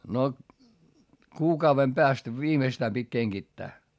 no kuukauden päästä viimeistään piti kengittää